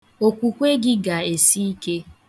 Okwukwe gị ga-esi ike.